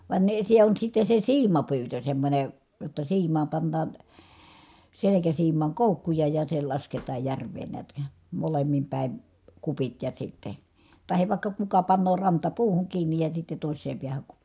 vain ne se on sitten se siimapyytö semmoinen jotta siimaan pannaan selkäsiimaan koukkuja ja se lasketaan järveen näet - molemmin päin kupit ja sitten tai vaikka kuka panee rantapuuhun kiinni ja sitten toiseen päähän kupin